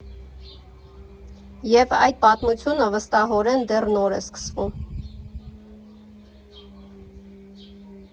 Եվ այդ պատմությունը, վստահորեն, դեռ նոր է սկսվում։